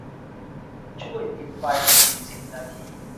ช่วยปิดไฟในอีกสิบนาที